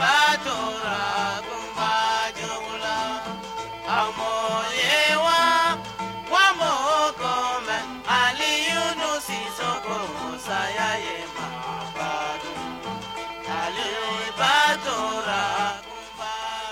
batura kunfago a ko yen wa faama mɔ kun bɛ ali yodo nisɔn saya ye ba kun fa bago kun